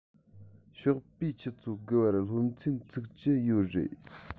ཞོགས པའི ཆུ ཚོད དགུ པར སློབ ཚན ཚུགས ཀྱི ཡོད རེད